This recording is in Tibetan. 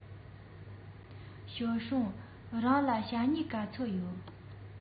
ཞའོ སུང རང ལ ཞྭ སྨྱུག ག ཚོད ཡོད